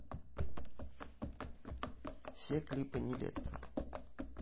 все клипы нилетто